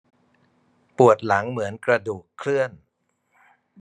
ปวดหลังเหมือนกระดูกเคลื่อน